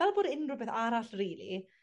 fel bod unryw beth arall rili.